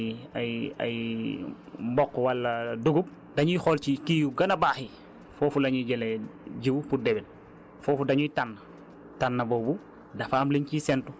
moo taxoon ci jamono yooyu su ñu bayee ba noppi surtout lu mel ni ay ay ay mboq wala dugub dañuy xool ci kii yu gën a baax yi foofu la ñuy jëlee jiwu pour déwén